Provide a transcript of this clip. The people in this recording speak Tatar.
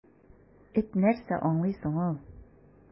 Эт нәрсә аңлый соң ул!